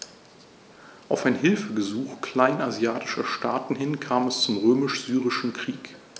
Auf ein Hilfegesuch kleinasiatischer Staaten hin kam es zum Römisch-Syrischen Krieg.